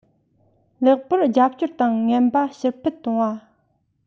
ལེགས པོར རྒྱབ སྐྱོར དང ངན པ ཕྱིར ཕུད གཏོང བ